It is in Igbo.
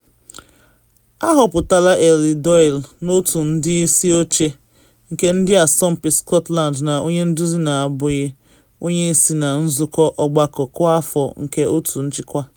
Ahọpụtala Eilidh Doyle n’otu ndị isi oche nke Ndị Asọmpi Scotland ka onye nduzi na abụghị onye isi na nzụkọ ọgbakọ kwa afọ nke otu nchịkwa.